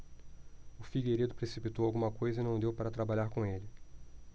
o figueiredo precipitou alguma coisa e não deu para trabalhar com ele